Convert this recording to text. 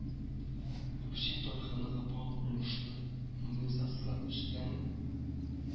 Русия тарихындагы барлык уңышлы модернизацияләр өстән